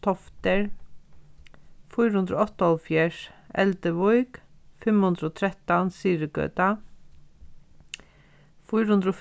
toftir fýra hundrað og áttaoghálvfjerðs elduvík fimm hundrað og trettan syðrugøta fýra hundrað og